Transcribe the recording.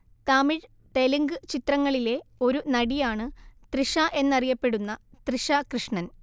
തമിഴ് തെലുങ്ക് ചിത്രങ്ങളിലെ ഒരു നടിയാണ് തൃഷ എന്നറിയപ്പെടുന്ന തൃഷ കൃഷ്ണൻ